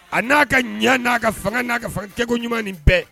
A n'a ka ɲa n' a ka fanga n' a ka fangakɛko ɲuman nin bɛɛ